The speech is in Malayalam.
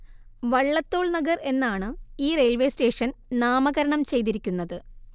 വള്ളത്തോൾ നഗർ എന്നാണ് ഈ റെയിൽവേ സ്റ്റേഷൻ നാമകരണം ചെയ്തിരിക്കുന്നത്